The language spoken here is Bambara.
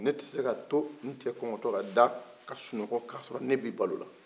ne tɛ se k'a to n cɛ kɔngɔ tɔ ka da ka sunɔgɔ k'a sɔrɔ ne bɛ balo la